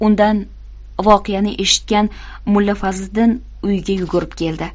undan voqeani eshitgan mulla fazliddin uyiga yugurib keldi